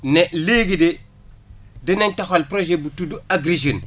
ne léegi de dinañ taxawl projet bu tudd Agri Jeunes